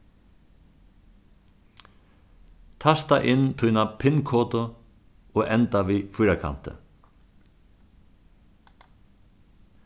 tasta inn tína pin-kodu og enda við fýrakanti